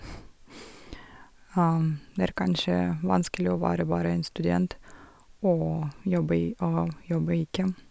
Det er kanskje vanskelig å være bare en student og jobbe i og jobbe ikke.